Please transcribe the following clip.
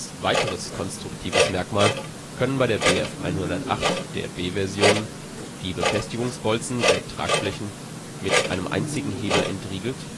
weiteres konstruktives Merkmal können bei der Bf 108 der B-Versionen die Befestigungsbolzen der Tragflächen mit einem einzigen Hebel entriegelt